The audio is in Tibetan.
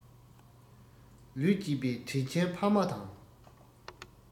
ལུས བསྐྱེད པའི དྲིན ཆེན ཕ མ དང